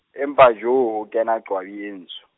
Empa joo ho kena qwabi e ntsho.